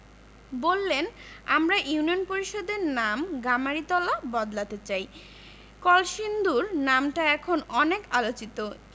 বললেন আমরা ইউনিয়ন পরিষদের নাম গামারিতলা বদলাতে চাই কলসিন্দুর নামটা এখন অনেক আলোচিত